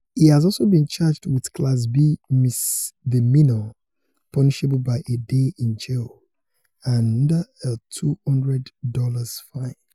He has also been charged with a Class B misdemeanor, punishable by a day in jail and a $2,000 fine.